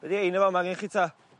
Be' 'di hein yn fa' 'ma gen chi 'ta?